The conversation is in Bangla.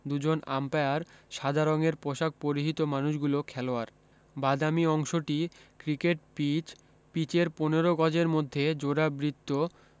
দুজন আম্পায়ার সাদা রঙের পষাক পরিহিত মানুষগুলো খেলোয়াড় বাদামী অংশটি ক্রিকেট পীচ পীচের পনের গজের মধ্যে জোড়াবৃত্ত